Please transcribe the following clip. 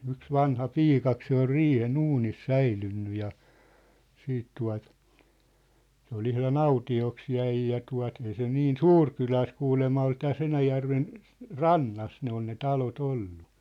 yksi vanhapiika se oli riihen uunissa säilynyt ja sitten tuota se oli ihan autioksi jäi ja tuo ei se niin suuri kylä ole se kuulemma oli tässä Enäjärven rannassa ne on ne talot ollut